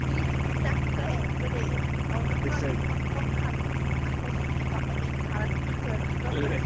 Dan ni'n mynd i dechrau fan hyn ond mor galed achos hi yw fatha main character y gyfres.